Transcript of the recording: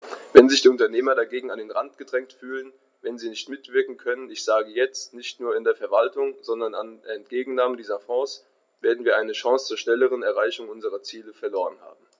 Wenn sich die Unternehmer dagegen an den Rand gedrängt fühlen, wenn sie nicht mitwirken können ich sage jetzt, nicht nur an der Verwaltung, sondern an der Entgegennahme dieser Fonds , werden wir eine Chance zur schnelleren Erreichung unserer Ziele verloren haben.